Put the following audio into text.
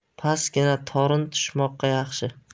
pastgina torn tushmoqqa yaxshi